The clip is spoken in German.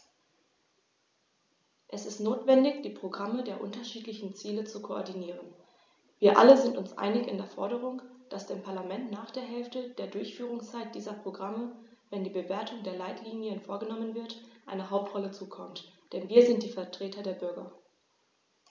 Es ist notwendig, die Programme der unterschiedlichen Ziele zu koordinieren. Wir alle sind uns einig in der Forderung, dass dem Parlament nach der Hälfte der Durchführungszeit dieser Programme, wenn die Bewertung der Leitlinien vorgenommen wird, eine Hauptrolle zukommt, denn wir sind die Vertreter der Bürger.